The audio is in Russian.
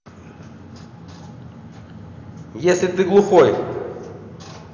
если ты глухой